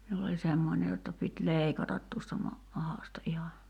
minulla oli semmoinen jotta piti leikata tuosta - mahasta ihan